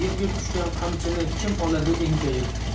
yerga tushgan qamchini kim oladi enkayib